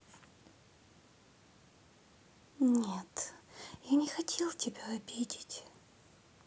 нет я не хотел тебя обидеть